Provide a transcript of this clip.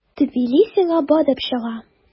Тбилисига барып чыга.